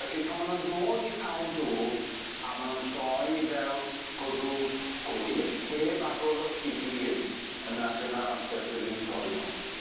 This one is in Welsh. Felly pan ma' nw'n dod i llawn dwf a ma' nw'n troi fel gwddwg gwydd heb agor i gyd yna dyna'r amser 'dyn ni'n torri nw.